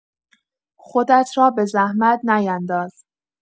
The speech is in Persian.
خودت را به زحمت نینداز.